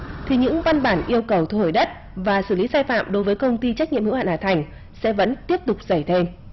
thì những văn bản yêu cầu thu hồi đất và xử lý sai phạm đối với công ty trách nhiệm hữu hạn hà thành sẽ vẫn tiếp tục dày thêm